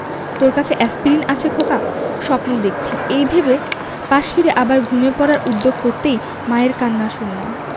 তোর কাছে এ্যাসপিরিন আছে খোকা স্বপ্ন দেখছি এই ভেবে পাশে ফিরে আবার ঘুমিয়ে পড়ার উদ্যোগ করতেই মায়ের কান্না শুনলাম